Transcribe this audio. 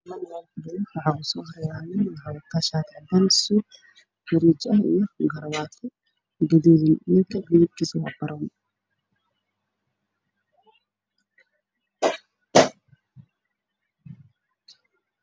Halkaan waxaa ka muuqdo nin suit qaxwi ah iyo shaati cadaan ah iyo garabaati guduud